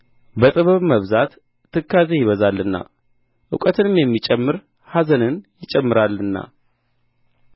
በጥበብ መብዛት ትካዜ ይበዛልና እውቀትንም የሚጨምር ኀዘንን ይጨምራልና